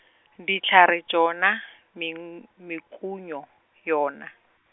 dihlare tšona, meng- mekunyo, yona.